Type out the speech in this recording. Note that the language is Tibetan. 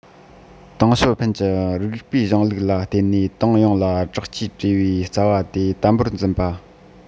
ཏེང ཞའོ ཕིན གྱི རིགས པའི གཞུང ལུགས ལ བརྟེན ནས ཏང ཡོངས ལ དྲག ཆས སྤྲས པའི རྩ བ དེ དམ པོར འཛིན པ